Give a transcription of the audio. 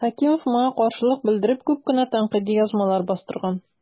Хәкимов моңа каршылык белдереп күп кенә тәнкыйди язмалар бастырган.